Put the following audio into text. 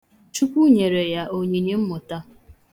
Chukwu yere ya onyinye mmụta.